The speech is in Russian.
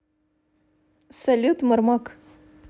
салют мармок